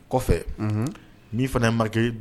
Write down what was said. Kɔfɛ, unhun, min fana ye marquer